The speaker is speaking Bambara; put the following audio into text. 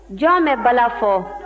jɔn bɛ bala fɔ